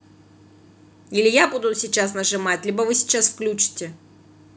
или я буду сейчас нажимать либо вы сейчас включите